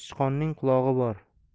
sichqonning qulog'i bor